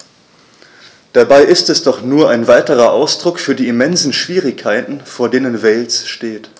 Dabei ist es doch nur ein weiterer Ausdruck für die immensen Schwierigkeiten, vor denen Wales steht.